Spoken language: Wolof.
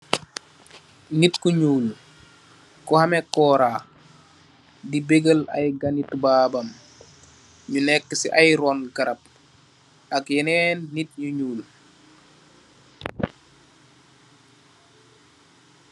Neet ku null , ku emmeh koraah , di bekal ayy kanu tubaaam baam , nu nekaah si ayy roon garaab ak yeneen neet yu null.